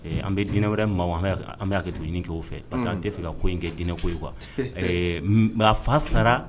An bɛ dinɛ wɛrɛ ma an kɛ juru ɲini cogo fɛ parce que an tɛ fɛ ka ko in kɛ dinɛ ko ye kuwa fa sara